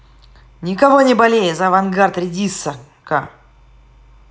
никого не болею за авангард редисска